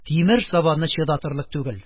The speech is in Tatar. Тимер сабанны чыдатырлык түгел